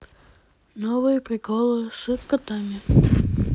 новые приколы с котами